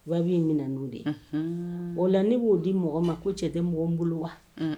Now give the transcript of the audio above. Ba in minɛn don de o la ne b'o di mɔgɔ ma ko cɛ tɛ mɔgɔ bolo wa